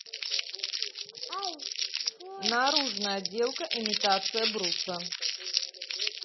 наружная отделка имитация бруса